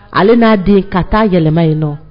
Ale n'a den ka taa yɛlɛma in nɔ